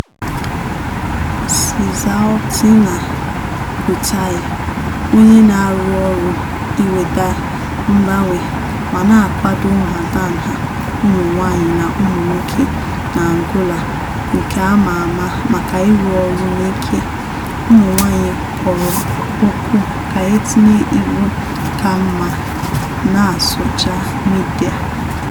Sizaltina Cutaia, onye na-arụ ọrụ iweta mgbanwe ma na-akwado nhatanha ụmụ nwaanyị na ụmụ nwoke na Angola nke ama ama maka ịrụ ọrụ n'ikike ụmụ nwaanyị, kpọrọ oku ka e tinye iwu ka mma na socha midia: